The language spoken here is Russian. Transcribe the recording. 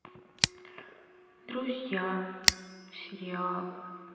друзья сериал